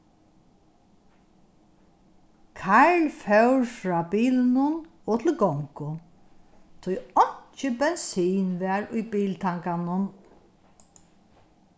karl fór frá bilinum og til gongu tí einki bensin var í biltanganum